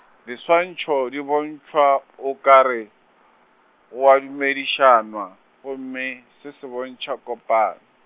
diswantšho di bontšhwa o kgare, go a dumedišanwa gomme, se se bontšha kopa.